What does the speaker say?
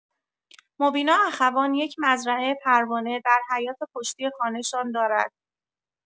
مبینا اخوان، یک مزرعه پروانه در حیاط پشتی خانه‌شان دارد.